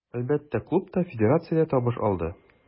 Әлбәттә, клуб та, федерация дә табыш алды.